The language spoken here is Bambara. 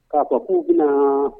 K' kuma bɛ